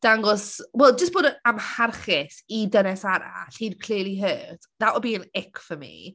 dangos wel jyst bod y- amharchus i dynes arall he'd cleary hurt. That would be an ick for me.